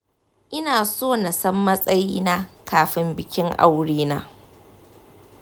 inaso na san matsayina kafin bikin aurena.